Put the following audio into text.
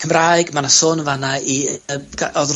Cymraeg. Ma' 'na sôn yn fan 'na i yy gy-...